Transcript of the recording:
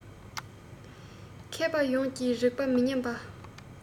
མཁས པ ཡོངས ཀྱི རིག པ མི ཉམས པ